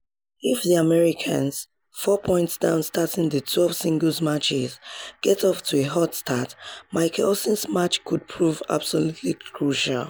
If the Americans, four points down starting the 12 singles matches, get off to a hot start, Mickelson's match could prove absolutely crucial.